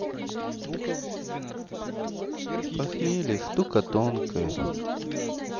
похмелье штука тонкая